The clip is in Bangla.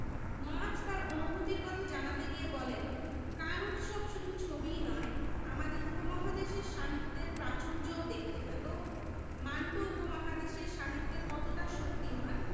নওয়াজ তার অনুভূতির কথা জানাতে গিয়ে বলেন কান উৎসব শুধু ছবিই নয় আমাদের উপমহাদেশের সাহিত্যের প্রাচুর্যও দেখতে পেল মান্টো উপমহাদেশের সাহিত্যে কতটা শক্তিমান